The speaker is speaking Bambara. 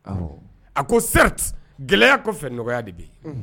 A ko certes gɛlɛya kɔfɛ nɔgɔya de be yen